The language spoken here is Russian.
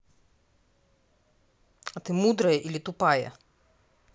а ты мудрая или тупая